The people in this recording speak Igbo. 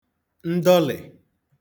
ndọlị̀